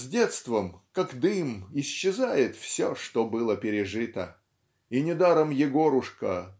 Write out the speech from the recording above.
С детством, как дым, исчезает все, что было пережито и недаром Егорушка